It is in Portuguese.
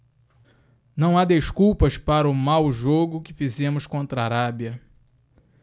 não há desculpas para o mau jogo que fizemos contra a arábia